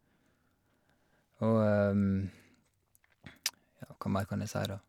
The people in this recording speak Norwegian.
Og, ja, hva mer kan jeg si, da.